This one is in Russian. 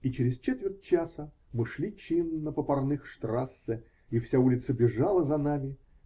И через четверть часа мы шли чинно по Парныхштрассе, и вся улица бежала за нами.